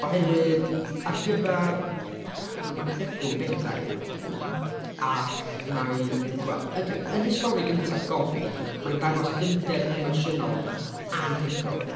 Oherwydd ar gyfer, m- mae Begw yn bedair... mm ...ac mae'n wel ocê yn y stori gyntaf, 'Gofid', mae'n dangos dyfnder emosiynol anghyhoel.